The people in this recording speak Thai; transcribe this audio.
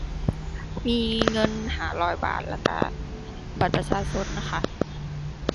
มีเงินห้าร้อยบาทแล้วก็บัตรประชาชนค่ะ